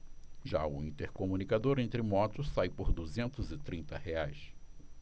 já o intercomunicador entre motos sai por duzentos e trinta reais